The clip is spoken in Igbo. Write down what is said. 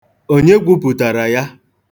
Onye gwupụtara ya?